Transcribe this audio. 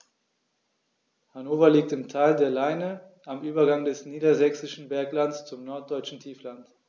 Hannover liegt im Tal der Leine am Übergang des Niedersächsischen Berglands zum Norddeutschen Tiefland.